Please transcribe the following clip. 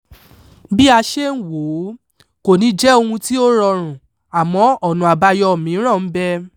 Bí a ṣe ń wò ó, kò ní jẹ́ ohun tí ó rọrùn, àmọ́ ọ̀nà àbáyọ mìíràn ń bẹ.